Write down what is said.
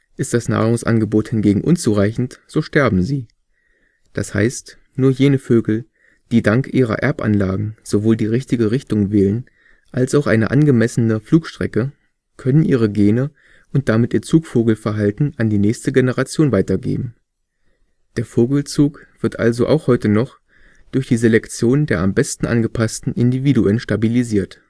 Ist das Nahrungsangebot hingegen unzureichend, so sterben sie. Das heißt: Nur jene Vögel, die dank ihrer Erbanlagen sowohl die richtige Richtung wählen als auch eine angemessene Flugstrecke, können ihre Gene und damit ihr Zugvogelverhalten an die nächste Generation weitergeben. Der Vogelzug wird also auch heute noch durch die Selektion der am besten angepassten Individuen stabilisiert